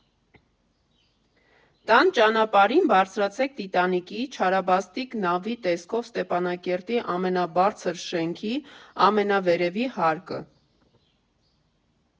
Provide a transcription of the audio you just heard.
Տան ճանապարհին բարձրացեք «Տիտանիկի» (չարաբաստիկ նավի տեսքով Ստեփանակերտի ամենաբարձր շենքի) ամենավերևի հարկը։